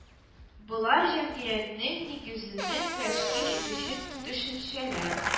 Болар җәмгыятьнең нигезен тәшкил итүче төшенчәләр